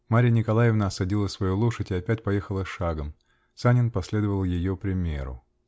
Марья Николаевна осадила свою лошадь и опять поехала шагом Санин последовал ее примеру.